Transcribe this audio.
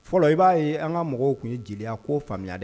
Fɔlɔ i b'a ye an ka mɔgɔw tun ye jeliya ko faamuya